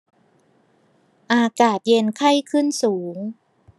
อากาศเย็นไข้ขึ้นสูง